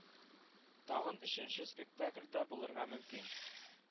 Тагын өченче спектакль дә булырга мөмкин